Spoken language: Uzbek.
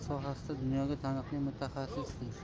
sohasida dunyoga taniqli mutaxassisdir